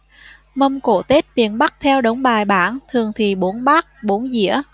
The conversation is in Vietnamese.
mâm cỗ tết miền bắc theo đúng bài bản thường thì bốn bát bốn dĩa